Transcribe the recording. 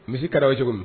Misi ka daw ye cogo min